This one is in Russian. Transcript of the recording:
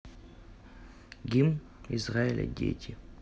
гимн израиля дети